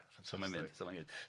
So ma' n mynd so ma'n neud